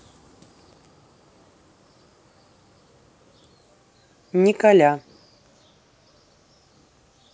николя